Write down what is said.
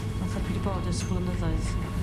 fatha dwi 'di bod ers y blynyddoedd